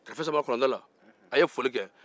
karafe sama kɔlɔnda la a ye foli kɛ